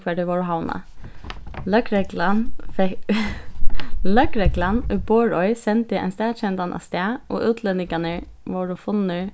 hvar tey vóru havnað løgreglan løgreglan í borðoy sendi ein staðkendan av stað og útlendingarnir vóru funnir